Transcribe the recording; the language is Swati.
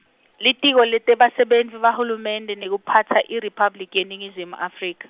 Litiko letebasebenti baHulumende nekuphatsa IRiphabliki yeNingizimu Afrika.